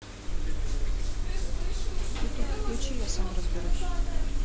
youtube включи я сам разберусь